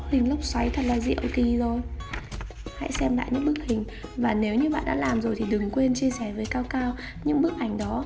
có hình lốc xoáy thật diệu kì rồi hãy xem lại những bức hình và nếu bạn đã làm được rồi thì đừng quên chia sẻ với cao cao những bức ảnh đó